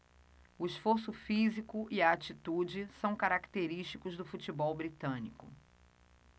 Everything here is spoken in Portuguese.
o esforço físico e a atitude são característicos do futebol britânico